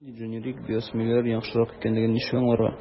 Нинди дженерик/биосимиляр яхшырак икәнлеген ничек аңларга?